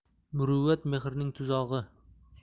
muruvvat mehrning tuzog'i